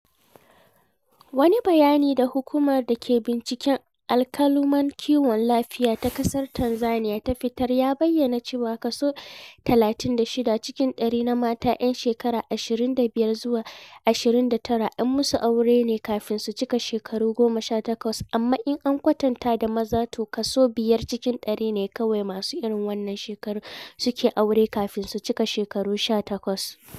Wani bayani da Hukumar da ke Binciken Alƙaluman Kiwon Lafiya ta ƙasar Tanzaniya ta fitar ya bayyana cewa kaso 36 cikin ɗari na mata 'yan shekara 25 zuwa 29 an yi musu aure ne kafin su cika shekaru 18, amma in an kwatanta da maza to kaso 5 cikin ɗari ne kawai masu irn wannan shekarun suke aure kafin su cika shekaru sha 18.